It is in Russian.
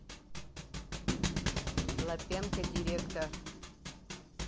лапенко директор